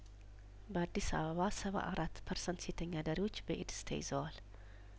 በአዲስ አበባ ሰባ አራት ፐርሰንት ሴተኛ አዳሪዎች በኤድስ ተይዘዋል